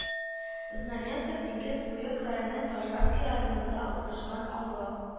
Знаменка Диңгез буе краеның Пожарский районында урнашкан авыл